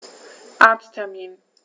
Arzttermin